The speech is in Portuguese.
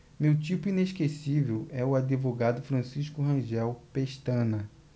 meu tipo inesquecível é o advogado francisco rangel pestana